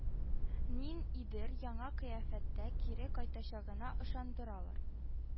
Нин идер яңа кыяфәттә кире кайтачагына ышандыралар